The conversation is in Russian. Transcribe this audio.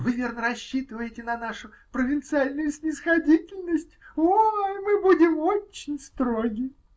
Вы, верно, рассчитываете на нашу провинциальную снисходительность? О, мы будем очень строги!